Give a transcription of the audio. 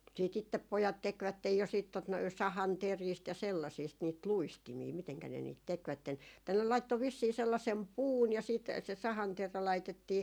sitten itse pojat tekivät jo sitten tuota noin sahanteristä ja sellaisista niitä luistimia miten ne niitä tekivät tai ne laittoi vissiin sellaisen puun ja sitten se sahanterä laitettiin